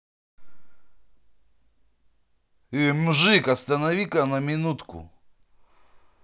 i мужик остановить ка на минутку